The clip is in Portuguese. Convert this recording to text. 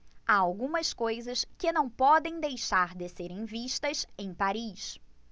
há algumas coisas que não podem deixar de serem vistas em paris